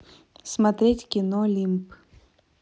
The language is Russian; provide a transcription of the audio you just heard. смотреть кино лимб